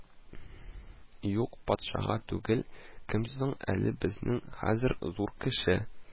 Юк, патшага түгел, кем соң әле безнең хәзер зур кеше